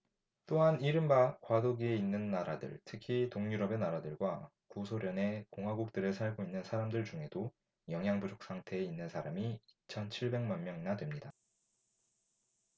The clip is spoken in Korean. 또한 이른바 과도기에 있는 나라들 특히 동유럽의 나라들과 구소련의 공화국들에 살고 있는 사람들 중에도 영양 부족 상태에 있는 사람이 이천 칠백 만 명이나 됩니다